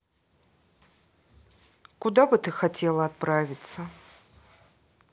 куда бы ты хотела отправиться